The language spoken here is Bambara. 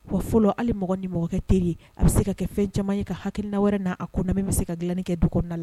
Wa fɔlɔ hali mɔgɔ ni mɔgɔkɛ teri ye a bɛ se ka kɛ fɛn caman ye ka haki la wɛrɛ n na a ko na bɛ se ka dilan kɛ du kɔnɔna la